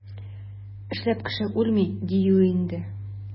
Эшләп кеше үлми, диюе инде.